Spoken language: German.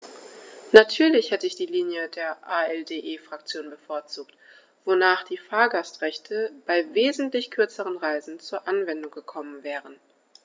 Natürlich hätte ich die Linie der ALDE-Fraktion bevorzugt, wonach die Fahrgastrechte bei wesentlich kürzeren Reisen zur Anwendung gekommen wären.